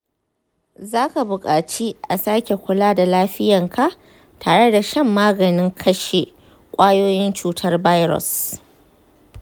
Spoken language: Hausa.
zaka bukaci a sake kula da lafiyanka tareda shan maganin kashe kwayoyin cutar virus.